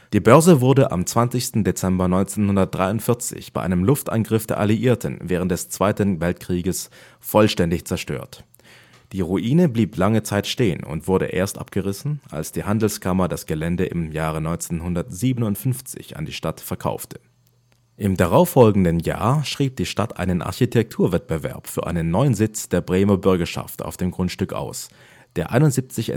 Die Börse wurde am 20. Dezember 1943 bei einem Luftangriff der Alliierten während des Zweiten Weltkrieges vollständig zerstört. Die Ruine blieb lange Zeit stehen und wurde erst abgerissen, als die Handelskammer das Gelände im Jahre 1957 an die Stadt verkaufte. Im darauffolgenden Jahr schrieb die Stadt einen Architekturwettbewerb für einen neuen Sitz der Bremischen Bürgerschaft auf dem Grundstück aus, der 71